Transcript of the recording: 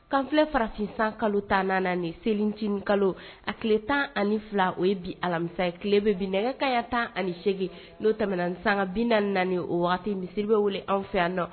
Kanffi farafin san kalo tanan ni selicini kalo a tile tan ani fila o ye bi ami tile bɛ nɛgɛ kaya tan ani8egin n'o tɛm san bi na o waati misi bɛ wele an fɛ yan nɔ